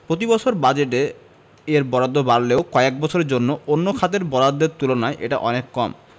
প্রতিবছর বাজেটে এর বরাদ্দ বাড়লেও কয়েক বছরে অন্য খাতের বরাদ্দের তুলনায় এটা অনেক কম